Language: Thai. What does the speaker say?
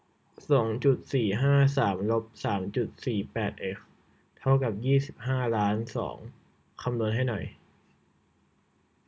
สองจุดสี่ห้าสามลบสามจุดสี่แปดเอ็กซ์เท่ากับยี่สิบห้าล้านสองคำนวณให้หน่อย